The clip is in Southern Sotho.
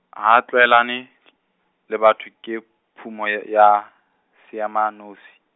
ha a tlwaelane le batho, ke phumo y- ya, seema nosi.